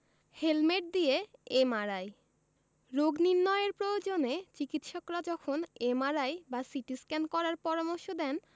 helmet দিয়ে MRI রোগ নির্নয়ের প্রয়োজনে চিকিত্সকরা যখন এমআরআই বা সিটিস্ক্যান করার পরামর্শ দেন